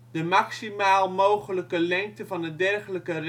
De maximaal mogelijke lengte van een dergelijke reeks